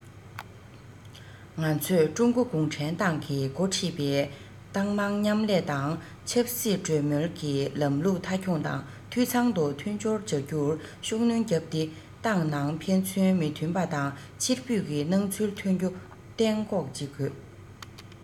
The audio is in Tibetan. ང ཚོས ཀྲུང གོ གུང ཁྲན ཏང གིས འགོ ཁྲིད པའི ཏང མང མཉམ ལས དང ཆབ སྲིད གྲོས མོལ གྱི ལམ ལུགས མཐའ འཁྱོངས དང འཐུས ཚང དུ མཐུན སྦྱོར བྱ རྒྱུར ཤུགས སྣོན བརྒྱབ སྟེ ཏང ནང ཕན ཚུན མི མཐུན པ དང ཕྱིར འབུད ཀྱི སྣང ཚུལ ཐོན རྒྱུ གཏན འགོག བྱེད དགོས